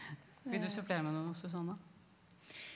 vil du supplere med noe Susanna?